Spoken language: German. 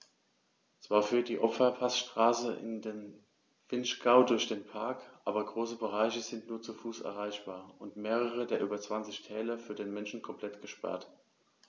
Zwar führt die Ofenpassstraße in den Vinschgau durch den Park, aber große Bereiche sind nur zu Fuß erreichbar und mehrere der über 20 Täler für den Menschen komplett gesperrt.